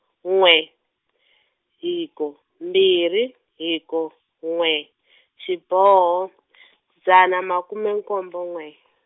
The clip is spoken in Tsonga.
n'we , hiko, mbhiri, hiko, n'we, xiboho , dzana makume nkombo n'we.